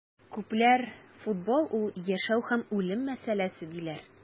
Күпләр футбол - ул яшәү һәм үлем мәсьәләсе, диләр.